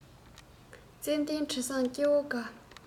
ཙན དན དྲི བཟང སྐྱེ བོ དགའ